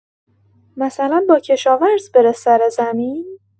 مثلا با کشاورز بره سر زمین؟